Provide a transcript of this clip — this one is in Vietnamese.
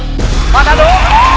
bạn đã đúng